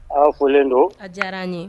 Aw folilen don a diyara n ye